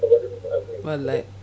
wallay